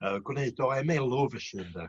yy gwneud o em elw felly ynde.